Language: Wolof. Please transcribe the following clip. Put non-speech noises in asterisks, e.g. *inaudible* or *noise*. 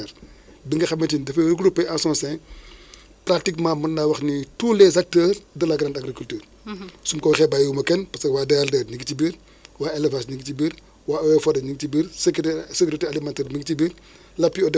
léegi ministère bi chaque fois day prévoir *hesitation* ay xeetu mbéy yoo xam ne ay xeetu mbéy court court cycle mooy kii bi kii bi maanaam kii bu gàtt *coughs* lu muy soxla si ndox bëriwul ah comme du mel ni comme ay ñebe